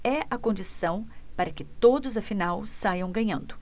é a condição para que todos afinal saiam ganhando